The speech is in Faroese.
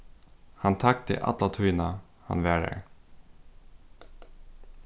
hann tagdi alla tíðina hann var har